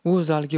u zalga